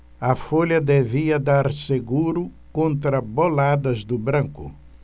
a folha devia dar seguro contra boladas do branco